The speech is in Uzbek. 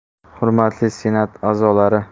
hurmatli senat a'zolari